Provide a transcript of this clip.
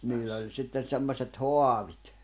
no niillä oli sitten semmoiset haavit